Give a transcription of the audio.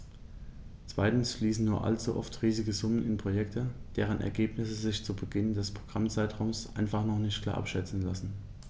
Zweitens fließen nur allzu oft riesige Summen in Projekte, deren Ergebnisse sich zu Beginn des Programmzeitraums einfach noch nicht klar abschätzen lassen.